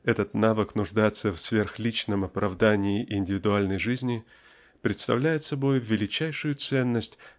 этот навык нуждаться в сверхличном оправдании индивидуальной жизни представляет собою величайшую ценность